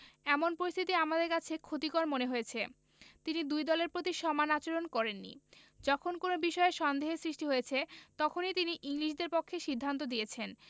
এমন পরিস্থিতি আমাদের কাছে ক্ষতিকর মনে হয়েছে তিনি দুই দলের প্রতি সমান আচরণ করেননি যখন কোনো বিষয়ে সন্দেহের সৃষ্টি হয়েছে তখনই তিনি ইংলিশদের পক্ষে সিদ্ধান্ত দিয়েছেন